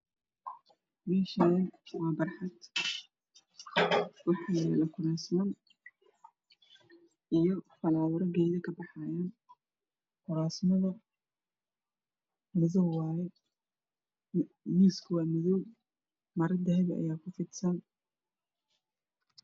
Meshan waa barxad waxaa yala kurasman iyo falawaro gedo ka baxayan kurastu madow waye miskuna waa madoowmaro qaxwiya ayaa ku fidsan